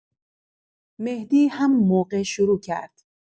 مهدی همون موقع شروع کرد.